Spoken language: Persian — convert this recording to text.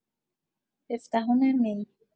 هفدهم می